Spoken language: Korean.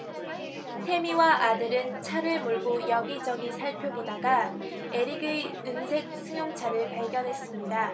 태미와 아들은 차를 몰고 여기 저기 살펴보다가 에릭의 은색 승용차를 발견했습니다